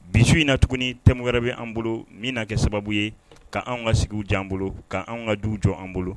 Bi in na tuguni tɛmɛ wɛrɛ bɛ an bolo min na kɛ sababu ye'an ka sigiw jɔan bolo k'an ka duw jɔ an bolo